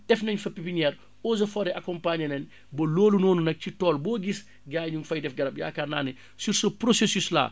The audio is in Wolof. def nañ fa pépinière eaux et forêt accompagner leen ba loolu noonu nag ci tool boo gis gars yi ñu ngi fay def garab yaakaar naa ne sur ce processus là